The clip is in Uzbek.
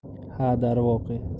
ha darvoqe